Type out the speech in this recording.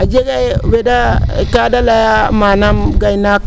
a jega wee da kaada layaa manaam gaynaak